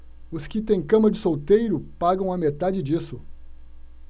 os que têm cama de solteiro pagam a metade disso